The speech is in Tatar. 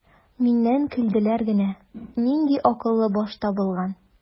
Миннән көлделәр генә: "Нинди акыллы баш табылган!"